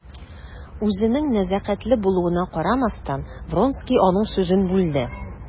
Үзенең нәзакәтле булуына карамастан, Вронский аның сүзен бүлде.